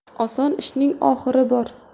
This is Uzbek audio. oson ishning ohi bor